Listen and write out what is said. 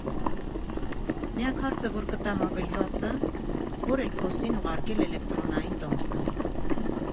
Միակ հարցը, որ կտա հավելվածը՝ ո՞ր էլփոստին ուղարկել էլեկտրոնային տոմսը։